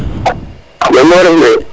jamo ref me